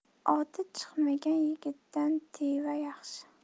oti chiqmagan yigitdan teva yaxshi